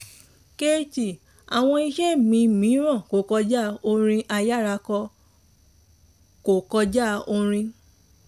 Keyti: Àwọn iṣẹ́ mi mìíràn kò kọjá orin àyárakọ, kò kọjá orin.